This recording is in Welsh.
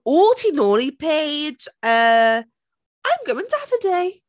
O, ti nôl i Paige! Yy, I'm going Davide.